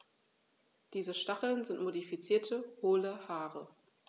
Diese Stacheln sind modifizierte, hohle Haare.